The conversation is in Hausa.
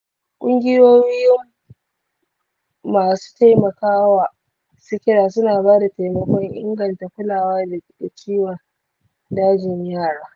kungiyoyin ma su taimaka wa sikila suna bada taimakon inganta kulawa ga ciwon dajin yara.